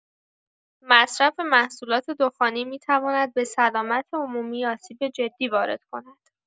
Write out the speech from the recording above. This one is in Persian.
مصرف محصولات دخانی می‌تواند به سلامت عمومی آسیب جدی وارد کند.